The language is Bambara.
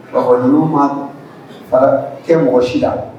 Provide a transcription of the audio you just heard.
A ninnu ma fara kɛ mɔgɔ si la